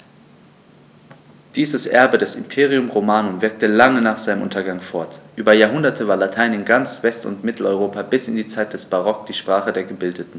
Dieses Erbe des Imperium Romanum wirkte lange nach seinem Untergang fort: Über Jahrhunderte war Latein in ganz West- und Mitteleuropa bis in die Zeit des Barock die Sprache der Gebildeten.